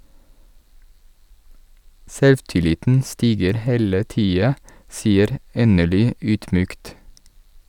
Selvtilliten stiger hele tida, sier Enerly ydmykt.